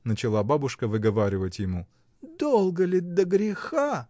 — начала бабушка выговаривать ему. — Долго ли до греха?